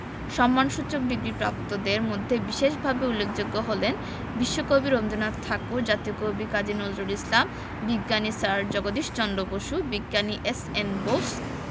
সম্মানসূচক ডিগ্রিপ্রাপ্তদের মধ্যে বিশেষভাবে উল্লেখযোগ্য হলেন বিশ্বকবি রবীন্দনাথ ঠাকুর জাতীয় কবি কাজী নজরুল ইসলাম বিজ্ঞানী স্যার জগদীশ চন্দ্র বসু বিজ্ঞানী এস.এন বোস